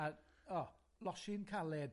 A, o, losin caled.